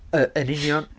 y- yn union.